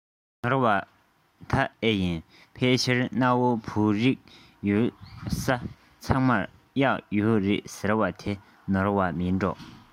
ནོར བ རང ད ཨེ ཡིན ཕལ ཆེར གནའ བོའི བོད རིགས ཡོད ས ཚང མར གཡག ཡོད རེད ཟེར བ དེ དང ནོར བ མིན འགྲོ